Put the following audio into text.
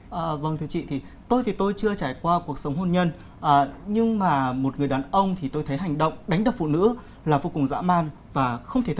vâng thưa chị thì tôi thì tôi chưa trải qua cuộc sống hôn nhân ờ nhưng mà một người đàn ông thì tôi thấy hành động đánh đập phụ nữ là vô cùng dã man và không thể